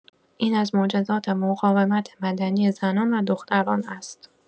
این از معجزات مقاومت مدنی زنان و دختران است.